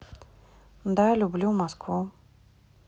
да люблю москву